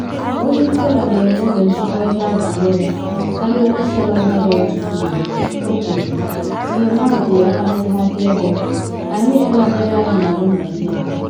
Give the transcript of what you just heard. “Onye isi ala na enwe oge njụrịkọta ajụjụ ọnụ karịa onye isi ala ọ bụla bịara tupu ya,” o kwuru, tinye na arụtụghị aka n’ihe akaebe: “Anyị elenyela anya na nọmba ndị a.”